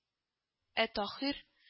Ә Таһир